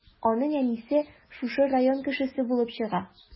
Аның әнисе шушы район кешесе булып чыга.